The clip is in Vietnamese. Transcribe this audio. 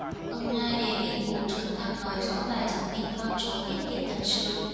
ông lai đề nghị bộ trưởng thăng nói rõ và chứng minh con số tiết kiệm thật sự